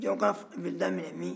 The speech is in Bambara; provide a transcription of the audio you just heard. jɔnka bɛ daminɛ min